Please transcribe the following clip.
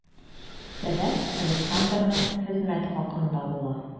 Сәбәп Александрның хезмәт хакында була.